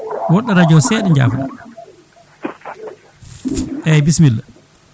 woɗɗo radio seeɗa jafoɗa eyyi bisimilla